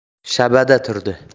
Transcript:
shabada turdi